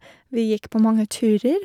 Vi gikk på mange turer.